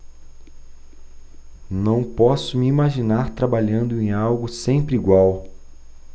não posso me imaginar trabalhando em algo sempre igual